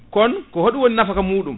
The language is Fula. kon ko hoɗum woni nafaka muɗum